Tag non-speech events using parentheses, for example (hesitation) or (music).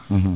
(hesitation) (hesitation)